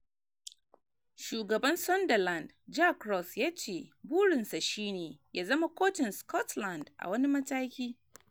Shugaban Sunderland Jack Ross ya ce "burinsa" shi ne ya zama kocin Scotland a wani mataki.